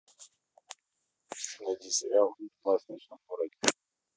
найди сериал власть в ночном городе